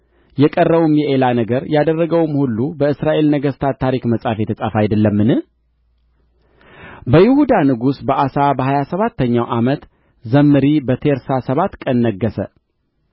የቀረውም የኤላ ነገር ያደረገውም ሁሉ በእስራኤል ነገሥታት ታሪክ መጽሐፍ የተጻፈ አይደለምን በይሁዳ ንጉሥ በአሳ በሀያ ሰባተኛው ዓመት ዘምሪ በቴርሳ ሰባት ቀን ነገሠ